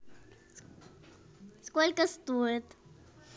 сколько стоит